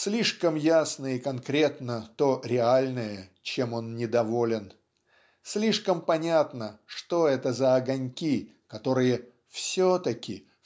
Слишком ясно и конкретно то реальное, чем он недоволен слишком понятно что это за огоньки которые "все-таки